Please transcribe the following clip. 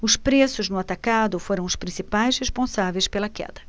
os preços no atacado foram os principais responsáveis pela queda